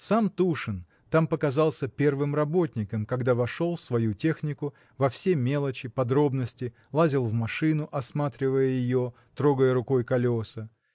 Сам Тушин там показался первым работником, когда вошел в свою технику, во все мелочи, подробности, лазил в машину, осматривая ее, трогая рукой колеса.